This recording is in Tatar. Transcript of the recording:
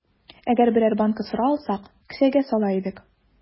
Әгәр берәр банка сыра алсак, кесәгә сала идек.